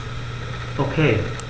Okay.